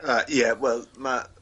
A ie wel ma'